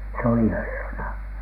se oli herrana